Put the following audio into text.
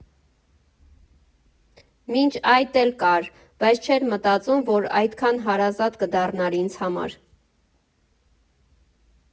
Մինչ այդ էլ կար, բայց չէի մտածում, որ այդքան հարազատ կդառնար ինձ համար։